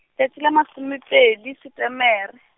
tšatši la masome pedi Setemere.